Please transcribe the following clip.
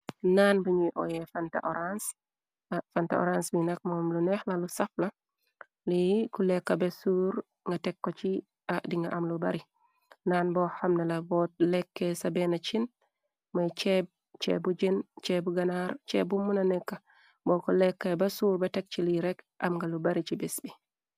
Naan buñuy oye fanta orance bi naxmom lu neexlalu saxla. Lii ku lekka be suur nga tekko ci di nga am lu bari. Naan bo xamna la boot lekke ca benn chin may cheep bu jen cheebu ganar ce bu muna nekka. Bo ko lekka ba suur ba tek ci li rek am nga lu bari ci bes bi.